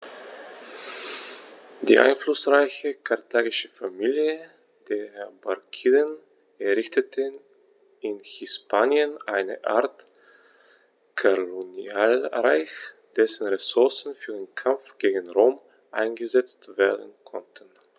Die einflussreiche karthagische Familie der Barkiden errichtete in Hispanien eine Art Kolonialreich, dessen Ressourcen für den Kampf gegen Rom eingesetzt werden konnten.